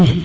s